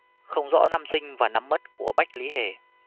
không rõ năm sinh và năm mất của bách lý hề